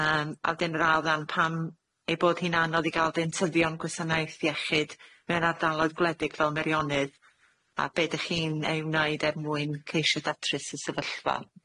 Yym a dyn raddan pam ei bod hi'n anodd i ga'l dentyddion gwasanaeth iechyd mewn ardaloedd gwledig fel Merionydd a be 'dych chi'n ei wneud er mwyn ceisio datrys y sefyllfa?